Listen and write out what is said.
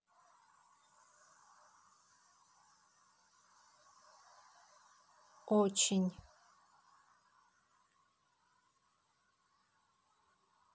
очень